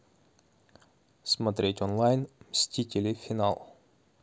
смотреть онлайн мстители финал